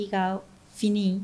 I ka fini